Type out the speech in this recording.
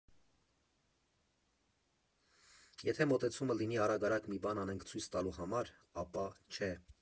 Եթե մոտեցումը լինի՝ արագ֊արագ մի բան անենք, ցույց տալու համար, ապա՝ չէ։